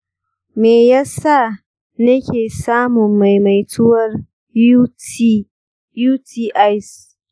me yasa nika samun maimaituwar utis?